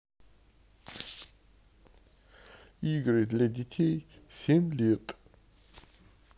игры для детей семь лет